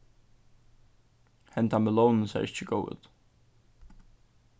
henda melónin sær ikki góð út